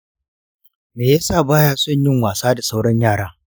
me yasa baya son yin wasa da sauran yara?